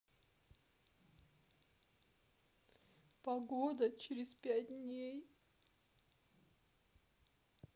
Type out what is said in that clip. погода через пять дней